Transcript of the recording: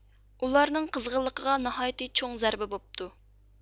ئۇلارنىڭ قىزغىنلىقىغا ناھايىتى چوڭ زەربە بوپتۇ